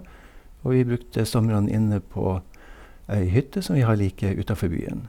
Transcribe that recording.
Og vi brukte somrene inne på ei hytte som vi har like utafor byen.